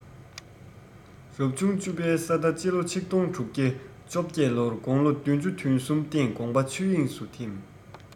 རབ བྱུང བཅུ བའི ས རྟ ཕྱི ལོ ༡༦༡༨ ལོར དགུང ལོ བདུན ཅུ དོན གསུམ སྟེང དགོངས པ ཆོས དབྱིངས སུ འཐིམས